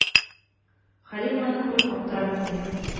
Хәлим моны күреп, аптырап китә.